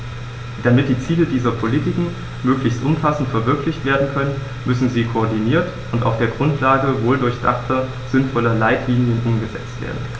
Damit die Ziele dieser Politiken möglichst umfassend verwirklicht werden können, müssen sie koordiniert und auf der Grundlage wohldurchdachter, sinnvoller Leitlinien umgesetzt werden.